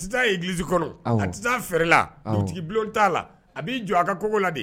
A tɛ taa église la kɔnɔ , awɔ , a tɛ taa fɛrɛla, awɔ, dugutigi bulon t'a la,a b'i jɔ a ka kogo la de.